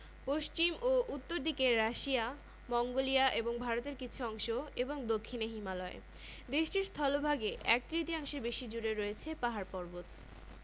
দেশটির দক্ষিণে ভারত মহাসাগর অবস্থিত আয়তন ৩২ লক্ষ ৮৭ হাজার ২৪০ বর্গ কিমি এবং লোক সংখ্যা ১৩১ কোটি ৯৫ লক্ষ ৭৭ হাজার ৯৫৮ জন